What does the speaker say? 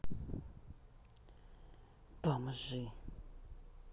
бомжи